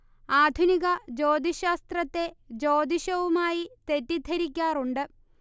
ആധുനിക ജ്യോതിശ്ശാസ്ത്രത്തെ ജ്യോതിഷവുമായി തെറ്റിദ്ധരിക്കാറുണ്ട്